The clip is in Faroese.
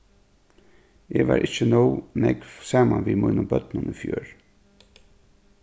eg var ikki nóg nógv saman við mínum børnum í fjør